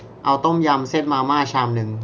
เอาต้มยำเส้นมาม่าชามนึง